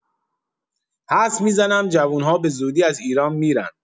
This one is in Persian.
حدس می‌زنم جوون‌ها به‌زودی از ایران می‌رن.